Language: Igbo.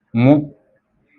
nwụ